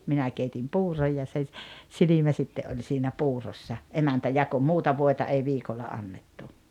minä keitin puuron ja se - silmä sitten oli siinä puurossa emäntä jakoi muuta voita ei viikolla annettu